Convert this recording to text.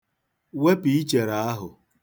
Wepụ ichere ahụ.